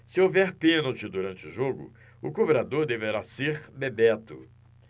se houver pênalti durante o jogo o cobrador deverá ser bebeto